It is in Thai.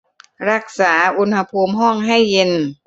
รักษาอุณหภูมิห้องให้เย็น